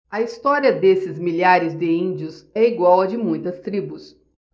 a história desses milhares de índios é igual à de muitas tribos